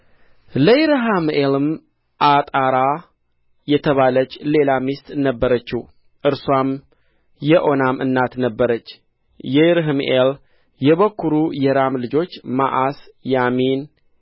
ለይረሕምኤልም ዓጣራ የተባለች ሌላ ሚስት ነበረችው እርስዋም የኦናም እናት ነበረች የይረሕምኤል የበኵሩ የራም ልጆች መዓስ ያሚን